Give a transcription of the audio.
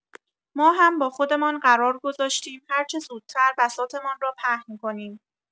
ما هم با خودمان قرار گذاشتیم هرچه زودتر بساطمان را پهن کنیم.